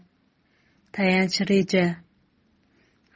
tayanch reja